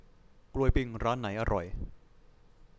กล้วยปิ้งร้านไหนอร่อย